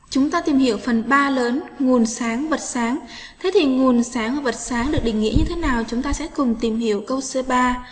chúng ta tìm hiểu phần lớn nguồn sáng vật sáng thế thì nguồn sáng và vật sáng được định nghĩa như thế nào chúng ta sẽ cùng tìm hiểu câu c